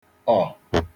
ọ̀